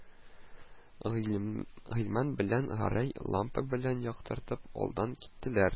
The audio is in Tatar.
Гыйльман белән Гәрәй, лампа белән яктыртып, алдан киттеләр